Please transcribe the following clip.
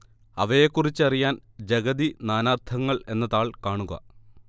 അവയെക്കുറിച്ചറിയാൻ ജഗതി നാനാർത്ഥങ്ങൾ എന്ന താൾ കാണുക